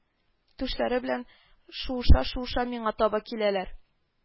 Түшләре белән шуыша-шуыша миңа таба киләләр